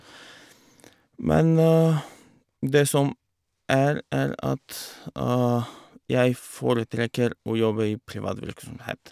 Men det som er, er at jeg foretrekker å jobbe i privat virksomhet.